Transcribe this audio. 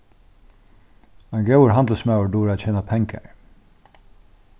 ein góður handilsmaður dugir at tjena pengar